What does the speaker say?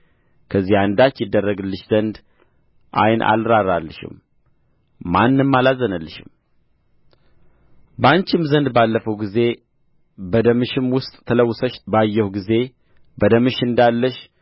ከዚህ አንዳች ይደረግልሽ ዘንድ ዓይን አልራራልሽም ማንም አላዘነልሽም በአንቺም ዘንድ ባለፍሁ ጊዜ በደምሽም ውስጥ ተለውሰሽ ባየሁሽ ጊዜ በደምሽ እንዳለሽ